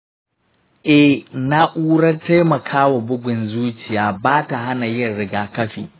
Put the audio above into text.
eh, na'urar taimaka wa bugun zuciya ba ta hana yin rigakafi.